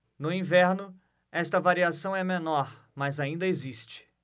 no inverno esta variação é menor mas ainda existe